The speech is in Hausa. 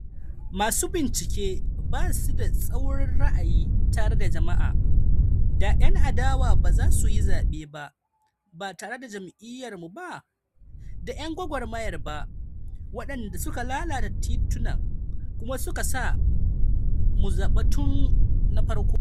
Masu bincike ba su da tsaurin ra'ayi tare da jama'a, da' Yan adawa ba za su yi zabe ba, ba tare da jam'iyyarmu da 'yan gwagwarmayarmu ba, waɗanda suka lalata tituna kuma suka sa mu zaɓa tun a farkon.